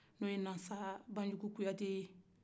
o ye nasabanjuku kuyate ye